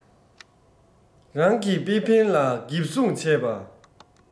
རང གི པེ ཕན ལ འགེབས སྲུང བྱེད པ